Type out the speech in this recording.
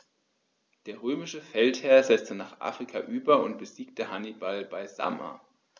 Der römische Feldherr setzte nach Afrika über und besiegte Hannibal bei Zama.